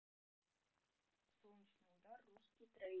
солнечный удар русский трейлер